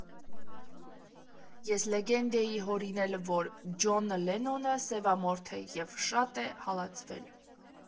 «Ես լեգենդ էի հորինել, որ Ջոն Լենոնը սևամորթ է և շատ է հալածվել։